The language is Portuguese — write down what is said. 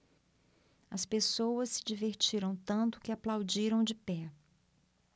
as pessoas se divertiram tanto que aplaudiram de pé